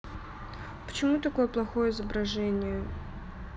почему такое плохое изображение